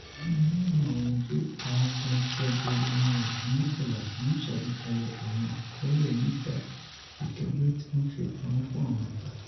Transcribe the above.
ọkan nínú maarun awọn ọmọde – awọn kan ti ọjọ ori wọn o ju 11 – ni o n ṣagbekalẹ awọn akọọlẹ midia ikẹgbẹ ti wọn n fi pamọ fun awọn agba.